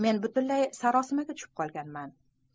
men butunlay sarosimaga tushib qolganman